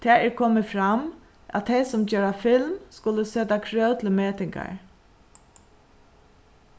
tað er komið fram at tey sum gera film skulu seta krøv til metingar